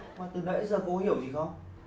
mà từ nãy tới giờ cô có hiểu gì không